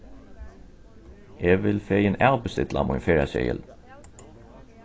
eg vil fegin avbestilla mín ferðaseðil